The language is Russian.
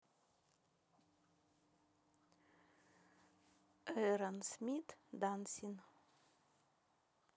aaron smith dancin